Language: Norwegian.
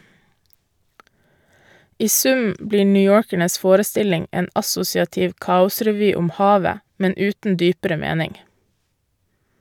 I sum blir newyorkernes forestilling en assosiativ kaosrevy om havet, men uten dypere mening.